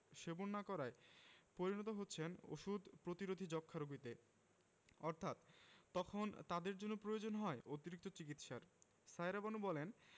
সেবন না করায় পরিণত হচ্ছেন ওষুধ প্রতিরোধী যক্ষ্মা রোগীতে অর্থাৎ তখনতাদেরজন্যপ্রয়োজনহয়অতিরিক্তচিকিৎসার সায়েরা বানু বলেন